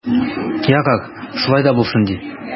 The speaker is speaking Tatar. Ярар, шулай да булсын ди.